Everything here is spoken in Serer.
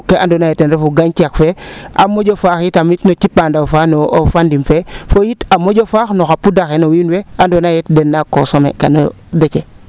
no kee ando naye ten refu gancax fee a moƴo faax itam no cipaa ndaw faa no fandim fee fo yit a moƴo faax no xa puda xe no wiin we ando naye yit dena consommer kano yo Déthié